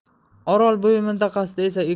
orol bo'yi mintaqasida esa